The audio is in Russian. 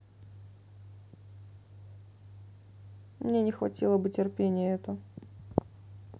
мне не хватило бы терпения это